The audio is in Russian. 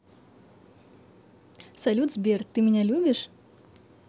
салют сбер ты меня любишь